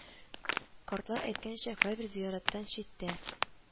Картлар әйткәнчә, кайбер зыяраттан читтә